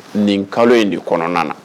Nin kalo in de kɔnɔna na